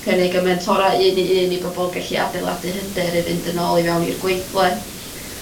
cynnig y mentora un i un i bobol gellu adeiladu hyder i fynd yn ôl i fewn i'r gweithle.